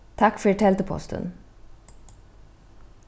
takk fyri teldupostin